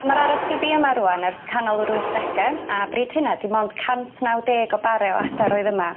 Ma'r ar es pi bi yma rŵan ers canol yr wythdege a bryd hynna ydi mond cant naw deg o bare o adar oedd yma.